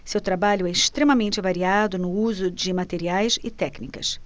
seu trabalho é extremamente variado no uso de materiais e técnicas